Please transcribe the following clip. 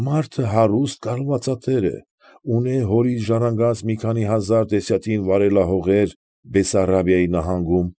Մարդը հարուստ կալվածատեր է, ունեն հորից ժառանգած մի քանի հազար դեսյատին վարելահորղեր Բեսարաբիայի նահանգում։